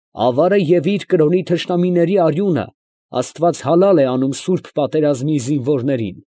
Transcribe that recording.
Ավարը և իր կրոնի թշնամիների արյունը աստված հալալ է անում սուրբ պատերազմի զինվորներին։